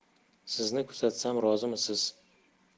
sizni kuzatsam rozimisiz